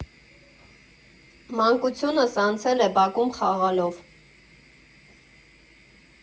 Մանկությունս անցել է բակում խաղալով։